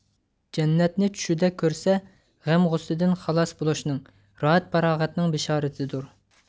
جەننەتنى چۈشىدە كۆرسە غەم غۇسسىدىن خالاس بولۇشنىڭ راھەت پاراغەتنىڭ بىشارىتىدۇر